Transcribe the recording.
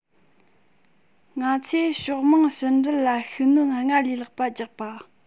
ང ཚོས ཕྱོགས མང ཕྱི འབྲེལ ལ ཤུགས སྣོན སྔར ལས ལྷག པ རྒྱག པ